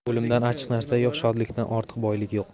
o'limdan achchiq narsa yo'q shodlikdan ortiq boylik yo'q